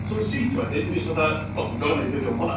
So, yn syth wedyn, dwi jyst fatha, wel, dwi'n gorod wneud fideo am hwnna.